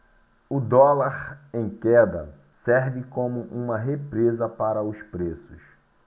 o dólar em queda serve como uma represa para os preços